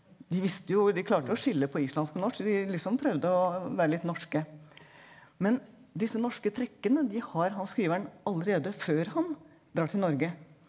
de visste jo de klarte å skille på islandsk og norsk så de liksom prøvde å være litt norske, men disse norske trekkene de har han skriveren allerede før han drar til Norge.